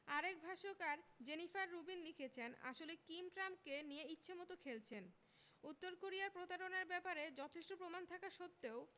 আরেক ভাষ্যকার Jennifer Rubin লিখেছেন আসলে কিম ট্রাম্পকে নিয়ে ইচ্ছেমতো খেলছেন উত্তর কোরিয়ার প্রতারণার ব্যাপারে যথেষ্ট প্রমাণ থাকা সত্ত্বেও